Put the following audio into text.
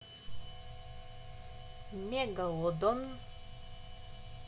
мегалодон